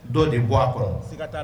Dɔ de bɔ a kɔnɔ